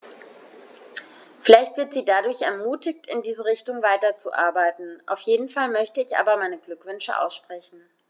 Vielleicht wird sie dadurch ermutigt, in diese Richtung weiterzuarbeiten, auf jeden Fall möchte ich ihr aber meine Glückwünsche aussprechen.